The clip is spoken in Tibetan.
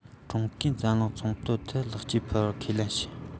ཀྲུང གོས འཛམ གླིང ཚོང དོན ཐད ལེགས སྐྱེས ཕུལ བར ཁས ལེན བྱོས